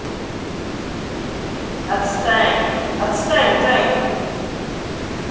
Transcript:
отстань отстань тань